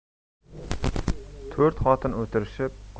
to'rt xotin o'tirishib